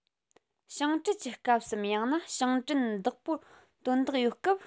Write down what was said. ཞིང བྲེལ གྱི སྐབས སམ ཡང ན ཞིང བྲན བདག པོར དོན དག ཡོད སྐབས